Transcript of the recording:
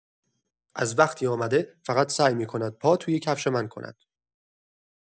از وقتی آمده، فقط سعی می‌کند پا توی کفش من کند.